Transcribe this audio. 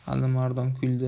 alimardon kuldi